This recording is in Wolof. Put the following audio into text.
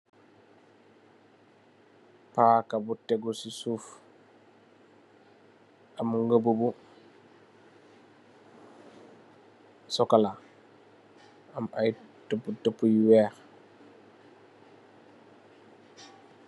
Pakah bu tegu se suuf am gabu bu sukola am aye tupu tupu yu weex.